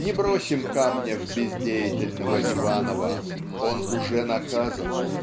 Не бросим камня в бездеятельного Иванова он уже наказан